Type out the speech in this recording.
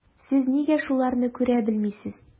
Сез нигә шуларны күрә белмисез?